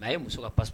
A ye muso ka pa